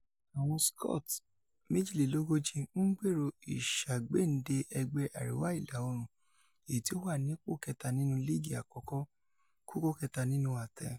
Awọn Scot, 42, n gbero iṣagbende ẹgbẹ Ariwa-Ila oorun, eyi ti o wa nipo kẹta nínú liigi Akọkọ, koko kẹta nínú atẹ.